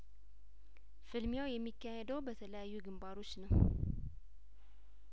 ፍልሚያው የሚካሄደው በተለያዩ ግንባሮች ነው